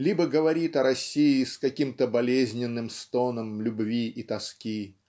либо говорит о России с каким-то болезненным стоном любви и тоски.